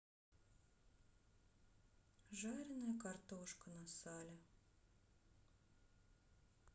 жареная картошка на сале